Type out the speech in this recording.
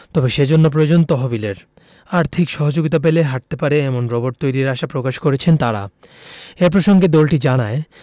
তবে সেজন্য প্রয়োজন তহবিলের আর্থিক সহযোগিতা পেলে হাটতে পারে এমন রোবট তৈরির আশা প্রকাশ করেছেন তারা এ প্রসঙ্গে দলটি জানায়